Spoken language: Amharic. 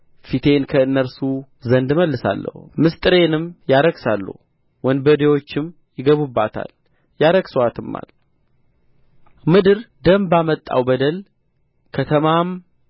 ፊቴን ከእነርሱ ዘንድ እመልሳለሁ ምሥጢሬንም ያረክሳሉ ወንበዴዎችም ይገቡባታል ያረክሱአትማል ምድር ደም ባመጣው በደል ከተማም